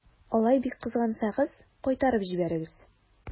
Алай бик кызгансагыз, кайтарып җибәрегез.